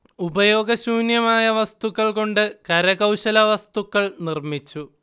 ഉപയോഗശൂന്യമായ വസ്തുക്കൾ കൊണ്ട് കരകൗശല വസ്തുക്കൾ നിർമിച്ചു